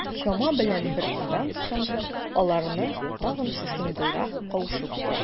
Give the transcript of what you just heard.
Чама белән бер айдан соң, аларны тагын шушындыйрак кавышу көтә.